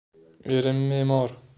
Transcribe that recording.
erim me'mor